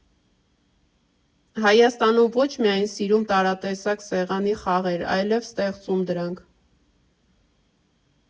Հայաստանում ոչ միայն սիրում տարատեսակ սեղանի խաղեր, այլև ստեղծում դրանք։